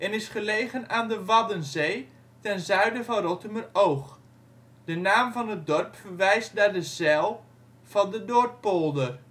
is gelegen aan de Waddenzee, ten zuiden van Rottumeroog. De naam van het dorp verwijst naar de zijl van de Noordpolder